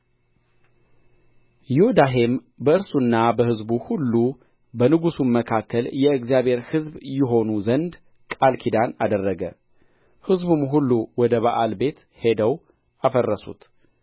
ዮዳሄም በእርሱና በሕዝቡ ሁሉ በንጉሡም መካከል የእግዚአብሔር ሕዝብ ይሆኑ ዘንድ ቃል ኪዳን አደረገ ሕዝቡም ሁሉ ወደ በኣል ቤት ሄደው አፈረሱት